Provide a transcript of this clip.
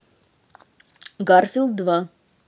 гарфилд два